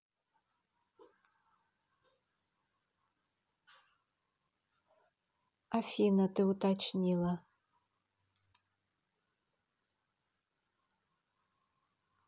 афина ты уточнила